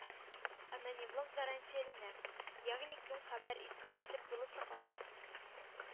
Анонимлык гарантияләнә, ягъни, кем хәбәр итүе сер булып саклана.